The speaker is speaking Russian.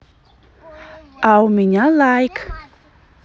а у меня like